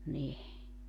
niin